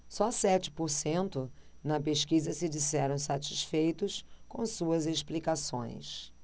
só sete por cento na pesquisa se disseram satisfeitos com suas explicações